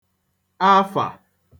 afà